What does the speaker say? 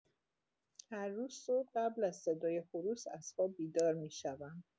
هر روز صبح قبل از صدای خروس از خواب بیدار می‌شوم.